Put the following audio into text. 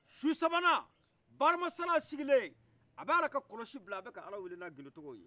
su sabanna bakary hama sala sigile a bala kɔlɔsi bila a bɛ k' ala wele n' a gindo tɔgɔw ye